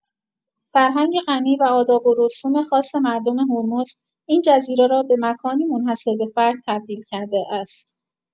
فرهنگ غنی و آداب و رسوم خاص مردم هرمز، این جزیره را به مکانی منحصر به فرد تبدیل کرده است.